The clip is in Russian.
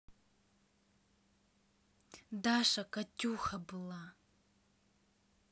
даша катюха была